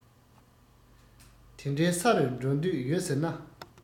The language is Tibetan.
དེ འདྲའི ས རུ འགྲོ འདོད ཡོད ཟེར ན